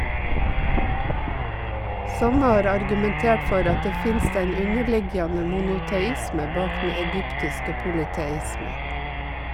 Somme har argumentert for at det finst ein underliggjande monoteisme bak den egyptiske polyteismen.